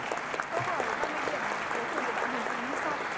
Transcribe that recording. câu hỏi ba mươi điểm cuối cùng của bạn huỳnh tím như sau